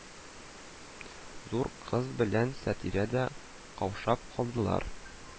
Зур кыз белән сәтирә дә каушап калдылар